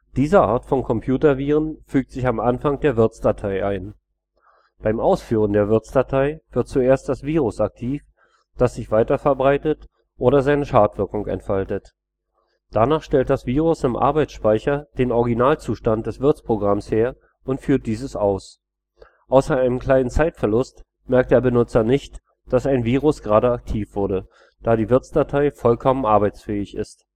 Diese Art von Computerviren fügt sich am Anfang der Wirtsdatei ein. Beim Ausführen der Wirtsdatei wird zuerst das Virus aktiv, das sich weiterverbreitet oder seine Schadwirkung entfaltet. Danach stellt das Virus im Arbeitsspeicher den Originalzustand des Wirtsprogramms her und führt dieses aus. Außer einem kleinen Zeitverlust merkt der Benutzer nicht, dass ein Virus gerade aktiv wurde, da die Wirtsdatei vollkommen arbeitsfähig ist